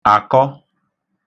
àkọ